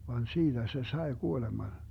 vaan siitä se sai kuoleman